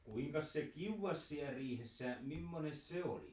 kuinkas se kiuas siellä riihessä mimmoinen se oli